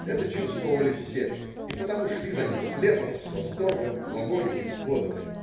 Это чувствовали все и потому шли за ним слепо, с восторгом, в огонь и в воду.